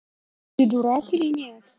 ты дурак или нет